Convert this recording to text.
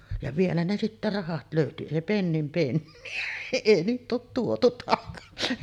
ja vielä ne sitten rahat löytyi ei pennin penniä ei niin ole tuotu takaisin